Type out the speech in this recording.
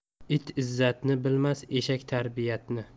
it izzatni bilmas eshak tarbiyatni